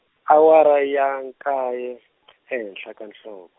awara ya nkaye , ehenhla ka nhloko.